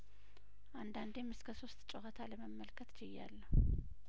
አንዳንዴም እስከሶስት ጨዋታ ለመመልከት ችያለሁ